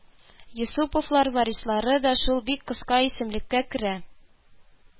Юсуповлар) варислары да шул бик кыска исемлеккә керә